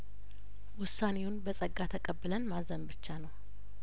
ውሳኔውን በጸጋ ተቀብለን ማዘን ብቻ ነው